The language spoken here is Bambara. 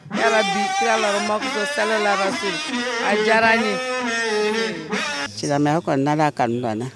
Yalabilala a diyara ye silamɛya ka nana a ka dɔn na